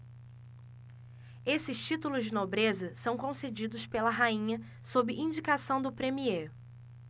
esses títulos de nobreza são concedidos pela rainha sob indicação do premiê